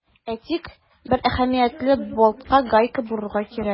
Әйтик, бер әһәмиятле болтка гайка борырга кирәк.